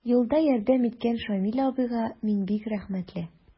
Юлда ярдәм иткән Шамил абыйга мин бик рәхмәтле.